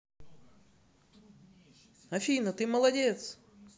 афина ты молодец